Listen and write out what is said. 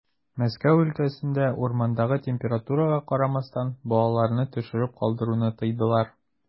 Мәскәү өлкәсендә, урамдагы температурага карамастан, балаларны төшереп калдыруны тыйдылар.